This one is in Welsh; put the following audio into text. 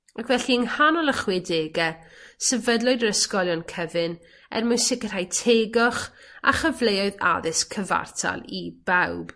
Ac felly yng nghanol y chwedege sefydlwyd yr ysgolion cyfun er mwyn sicrhau tegwch a chyfleoedd addysg cyfartal i bawb.